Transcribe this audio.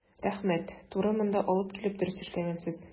Рәхмәт, туры монда алып килеп дөрес эшләгәнсез.